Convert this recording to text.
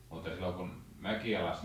mutta silloin kun mäkiä laskettiin